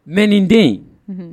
Mɛ nin den